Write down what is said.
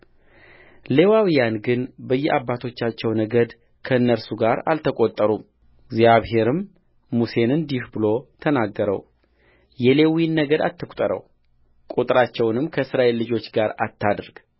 ሌዋውያን ግን በየአባቶቻቸው ነገድ ከእነርሱ ጋር አልተቈጠሩምእግዚአብሔርም ሙሴን እንዲህ ብሎ ተናገረው የሌዊን ነገድ አትቍጠረውቍጥራቸውንም ከእስራኤል ልጆች ጋር አታድርግ